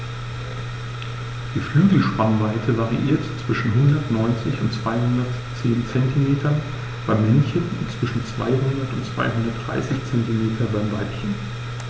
Die Flügelspannweite variiert zwischen 190 und 210 cm beim Männchen und zwischen 200 und 230 cm beim Weibchen.